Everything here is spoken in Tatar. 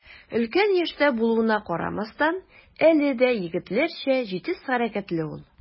Өлкән яшьтә булуына карамастан, әле дә егетләрчә җитез хәрәкәтле ул.